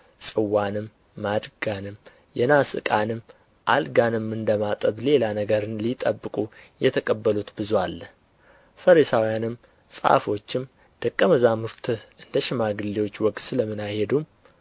ጽዋንም ማድጋንም የናስ ዕቃንም አልጋንም እንደ ማጠብ ሌላ ነገር ሊጠብቁት የተቀበሉት ብዙ አለ ፈሪሳውያንም ጻፎችም ደቀ መዛሙርትህ እንደ ሽማግሌዎች ወግ ስለ ምን አይሄዱም